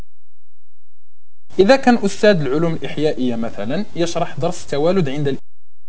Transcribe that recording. اذا كنت استاذ العلوم الاحيائيه مثلا يشرح درفت ولد